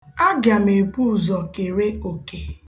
Aga m ebu ụzọ kere oke.